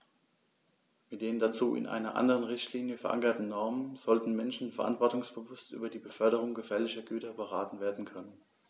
Mit den dazu in einer anderen Richtlinie, verankerten Normen sollten Menschen verantwortungsbewusst über die Beförderung gefährlicher Güter beraten werden können.